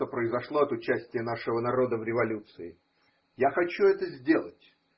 что произошло от участия нашего народа в революции. Я хочу это сделать.